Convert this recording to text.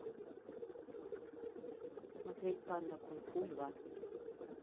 смотреть панда кунг фу два